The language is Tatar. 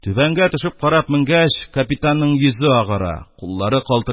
Түбәнгә төшеп карап менгәч, капитанның йөзе агара, куллары калтырый